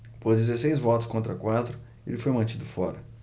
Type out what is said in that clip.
por dezesseis votos contra quatro ele foi mantido fora